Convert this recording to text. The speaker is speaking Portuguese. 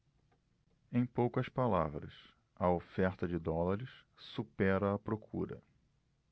em poucas palavras a oferta de dólares supera a procura